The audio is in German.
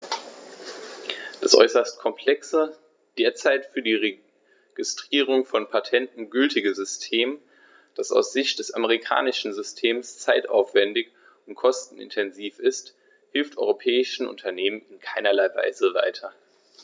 Das äußerst komplexe, derzeit für die Registrierung von Patenten gültige System, das aus Sicht des amerikanischen Systems zeitaufwändig und kostenintensiv ist, hilft europäischen Unternehmern in keinerlei Weise weiter.